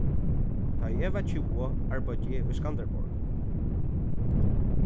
tá ið eg var tjúgu arbeiddi eg í skanderborg